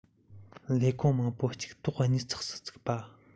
ལས ཁུངས མང པོ གཅིག ཐོག གཉིས བརྩེགས སུ བཙུགས པ